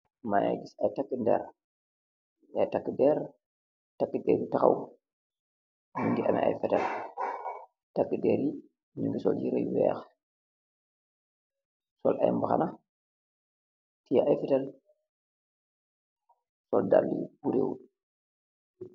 Mageh giss ayy taka derr ay taka derr taka derr yu taxaw nyu gi ameh ay fetel taka derr yi nyu gi sool yereh yu weex sool ay mbaxana teyeh ayy fetel sool daala yu nuul.